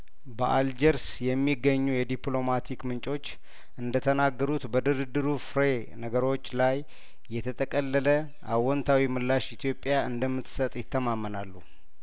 በአልጀርስ የሚገኙ የዲፕሎማቲክ ምንጮች እንደተናገሩት በድርድሩ ፍሬ ነገሮች ላይ የተጠቀለለ አዎንታዊ ምላሽ ኢትዮጵያ እንደምትሰጥ ይተማመናሉ